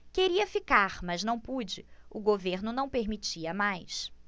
queria ficar mas não pude o governo não permitia mais